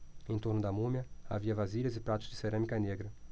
em torno da múmia havia vasilhas e pratos de cerâmica negra